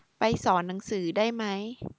ไปสอนหนังสือได้ไหม